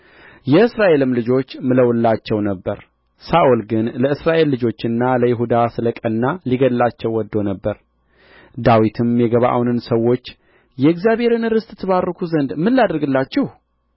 የእስራኤልም ልጆች ምለውላቸው ነበር ሳኦል ግን ለእስራኤል ልጆችና ለይሁዳ ስለ ቀና ሊገድላቸው ወድዶ ነበር ዳዊትም የገባዖንን ሰዎች የእግዚአብሔርን ርስት ትባርኩ ዘንድ ምን ላድርግላችሁ